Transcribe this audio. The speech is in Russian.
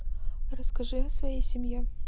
расскажи о своей семье